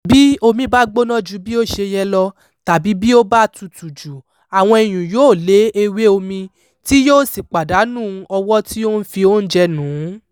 Bí omi bá gbóná ju bí ó ṣe yẹ lọ (tàbí bí ó bá tutù jù) àwọn iyùn yóò lé ewé omi — tí yóò sì pàdánù ọwọ́ tí ó ń fi oúnjẹ nù ún.